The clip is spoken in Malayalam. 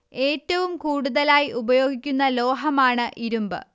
ഏറ്റവും കൂടുതലായി ഉപയോഗിക്കുന്ന ലോഹമാണ് ഇരുമ്പ്